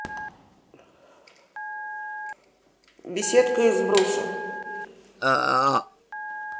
беседки из бруса